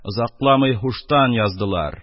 Озакламый һуштан яздылар